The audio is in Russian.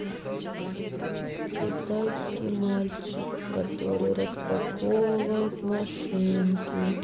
китайский мальчик который распаковывает машинки